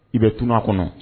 I bɛ kuma kɔnɔ